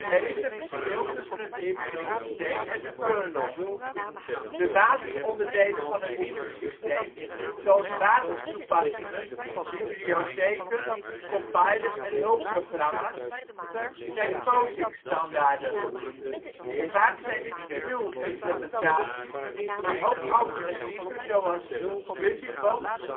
Er is een verschil tussen het besturingssysteem en de kernel. De basisonderdelen van een Linux-systeem, zoals basistoepassingen, bibliotheken, compilers en hulpprogramma 's, zijn POSIX-standaarden. Vaak zijn dit GNU-implementaties, maar ook alternatieven zoals Busybox